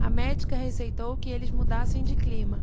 a médica receitou que eles mudassem de clima